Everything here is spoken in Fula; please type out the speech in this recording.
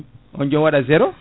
on jomum waɗa zéro